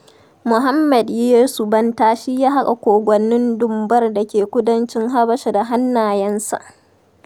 Mohammed Yiso Bantah shi ya haƙa Kogwannin Dunbar da ke kudancin Habasha da hannayensa.